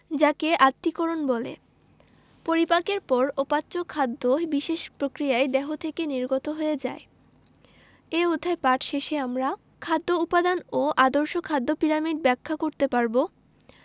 যাকে আত্তীকরণ বলে পরিপাকের পর অপাচ্য খাদ্য বিশেষ প্রক্রিয়ায় দেহ থেকে নির্গত হয়ে যায় এ অধ্যায় পাঠ শেষে আমরা খাদ্য উপাদান ও আদর্শ খাদ্য পিরামিড ব্যাখ্যা করতে পারব